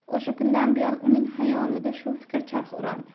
o'sha kundan buyon uning xayolida shu fikr charx urardi